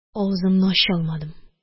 Авызымны ача алмадым